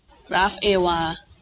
กราฟเอวา